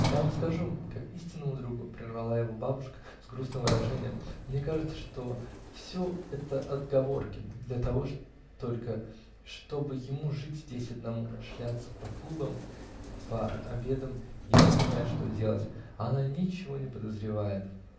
-- Я вам скажу, как истинному другу, -- прервала его бабушка с грустным выражением, -- мне кажется, что все это отговорки, для того только чтобы ему жить здесь одному, шляться по клубам, по обедам и Бог знает что делать а она ничего не подозревает.